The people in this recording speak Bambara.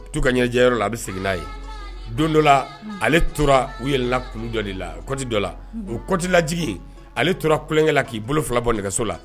U tuu ka ɲɛjɛyɔrɔ la a bɛ segin n'a ye don dɔ la ale tora u ye la dɔ de la kɔti dɔ la u kɔ cotilaj ale tora kukɛ k'i bolo fila bɔ nɛgɛso la